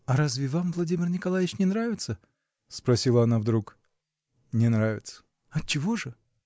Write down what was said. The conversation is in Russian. А разве вам Владимир Николаич не нравится? -- спросила она вдруг. -- Не нравится. -- Отчего же?